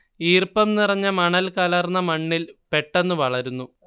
ഈർപ്പം നിറഞ്ഞ മണൽ കലർന്ന മണ്ണിൽ പെട്ടെന്ന് വളരുന്നു